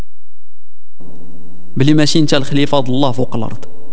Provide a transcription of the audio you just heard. بالماسنجر خليفه الله فوق الارض